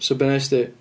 So be wnest ti?